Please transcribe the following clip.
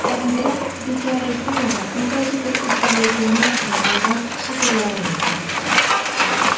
Шагыйрә Бикә Рәхимова композитор истәлегенә язылган шигырьләрен укыды.